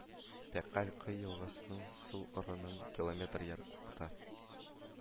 Пякаль-Кы елгасының сул ярыннан километр ераклыкта